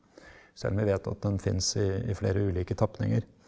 selv om vi vet at den fins i i flere ulike tapninger.